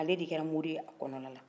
ale de kɛra mori ye a kɔnɔna na